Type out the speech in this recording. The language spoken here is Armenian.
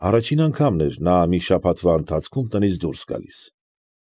Առաջին անգամն էր նա մի շաբաթվա ընթացքում տնից դուրս գալիս։